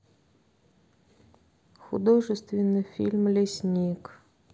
художественный фильм лесник